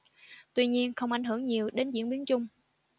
tuy nhiên không ảnh hưởng nhiều đến diễn biến chung